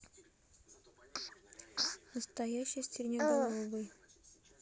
настоящий сиреноголовый